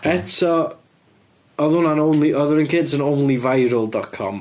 Eto, oedd hwnna yn only... oedd yr un cynt yn only viral dot com.